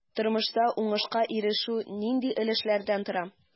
Тормышта уңышка ирешү нинди өлешләрдән тора?